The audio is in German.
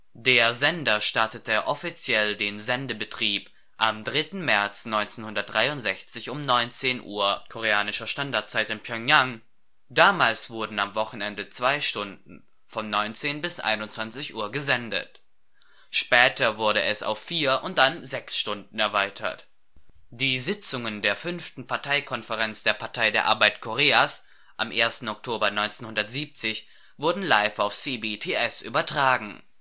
Der Sender startete offiziell den Sendebetrieb am 3. März 1963 um 19:00 Uhr KST in Pjöngjang. Damals wurde am Wochenende zwei Stunden, von 19 bis 21 Uhr, gesendet, später wurde es auf vier und dann sechs Stunden erweitert. Die Sitzungen der 5. Parteikonferenz der Partei der Arbeit Koreas am 1. Oktober 1970 wurden live auf CBTS übertragen